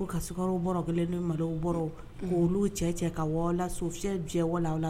Ko ka ska bɔra kelen ni malo bɔra k' oluolu cɛ cɛ kayɛ wala la